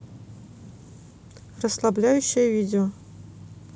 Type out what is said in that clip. расслабляющее видео